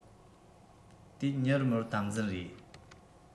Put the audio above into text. དེའི མྱུར མོར དམ འཛིན རེད